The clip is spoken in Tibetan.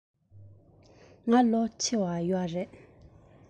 ང ལོ ཆེ བ ཡོད ཀྱི རེད